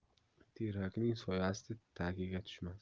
terakning soyasi tagiga tushmas